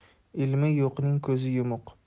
ilmi yo'qning ko'zi yumuq